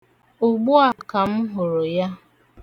Ugbua ka m hụrụ ya.